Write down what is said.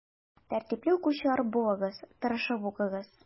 Тәртипле укучылар булыгыз, тырышып укыгыз.